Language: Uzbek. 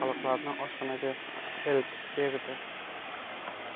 baliqlarni oshxonaga eltib berdi